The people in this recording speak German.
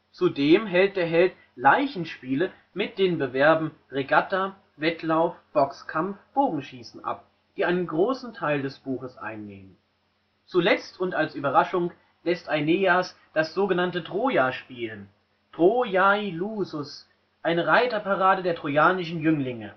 Zudem hält der Held Leichenspiele mit den Bewerben Regatta, Wettlauf, Boxkampf, Bogenschießen ab, die einen großen Teil des Buchs einnehmen. Zuletzt und als Überraschung lässt Aeneas das sogenannte Trojaspiel (Troiae lusus), eine Reiterparade der trojanischen Jünglinge